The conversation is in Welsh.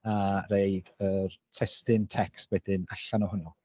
A roid yr testun text wedyn allan ohono